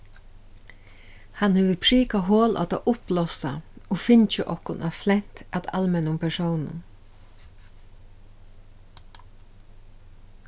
hann hevur prikað hol á tað uppblásta og fingið okkum at flent at almennum persónum